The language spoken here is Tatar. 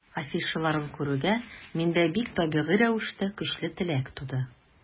Афишаларын күрүгә, миндә бик табигый рәвештә көчле теләк туды.